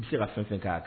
I bɛ se ka fɛn kan